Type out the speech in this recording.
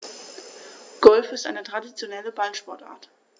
Golf ist eine traditionelle Ballsportart.